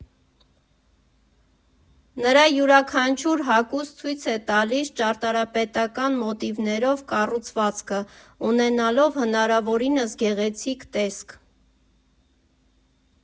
Նրա յուրաքանչյուր հագուստ ցույց է տալիս ճարտարապետական մոտիվներով կառուցվածքը՝ ունենալով հնարավորինս գեղեցիկ տեսք։